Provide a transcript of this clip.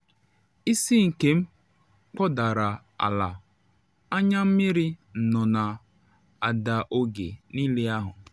“Isi nke m kpọdara ala, anya mmiri nọ na ada oge niile ahụ.